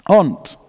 Ond...